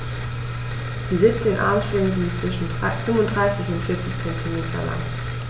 Die 17 Armschwingen sind zwischen 35 und 40 cm lang.